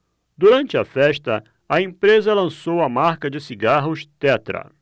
durante a festa a empresa lançou a marca de cigarros tetra